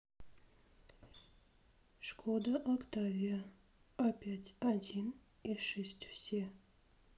skoda octavia a пять один и шесть все